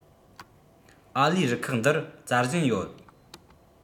ཨར ལས རུ ཁག འདིར བཙལ བཞིན ཡོད